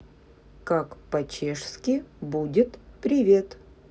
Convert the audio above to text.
как по чешски будет привет